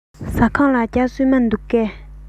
ཟ ཁང ལ ཇ སྲུབས མ འདུག གས